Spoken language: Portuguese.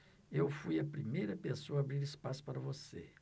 eu fui a primeira pessoa a abrir espaço para você